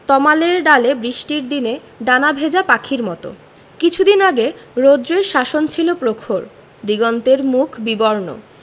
তমালের ডালে বৃষ্টির দিনে ডানা ভেজা পাখির মত কিছুদিন আগে রৌদ্রের শাসন ছিল প্রখর দিগন্তের মুখ বিবর্ণ